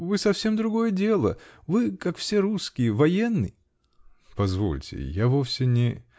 Вы совсем другое дело; вы, как все русские, военный. -- Позвольте, я вовсе не.